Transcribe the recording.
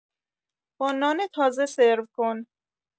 با نان تازه سرو کن.